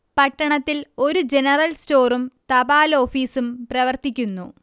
പട്ടണത്തിൽ ഒരു ജനറൽ സ്റ്റോറും തപാലോഫീസും പ്രവർത്തിക്കുന്നു